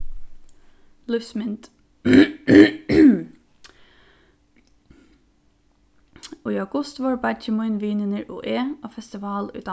í august vóru beiggi mín vinirnir og eg á festival í